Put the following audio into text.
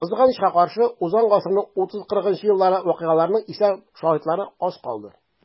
Кызганычка каршы, узган гасырның 30-40 еллары вакыйгаларының исән шаһитлары аз калды.